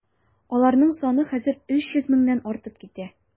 Аларның саны хәзер 300 меңнән артып китә.